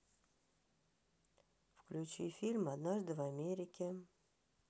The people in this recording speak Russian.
включи фильм однажды в америке